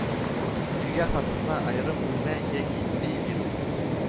Иргә хатынына аерым бүлмә яки өй бирү